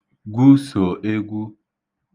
gwūsò egwu